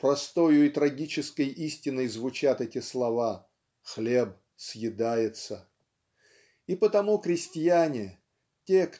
Простою и трагической истиной звучат эти слова: хлеб съедается. И потому крестьяне те